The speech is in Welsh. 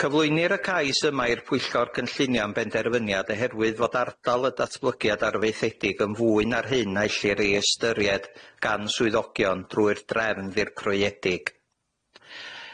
Cyflwynir y cais yma i'r Pwyllgor Cynllunio am benderfyniad oherwydd fod ardal y datblygiad arfaethedig yn fwy na'r hyn aellir ei ystyried gan swyddogion drwy'r drefn ddirprwyedig.